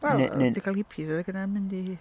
Ne- neu...Wel oeddet ti'n cael hippies ac oedd yn mynd i...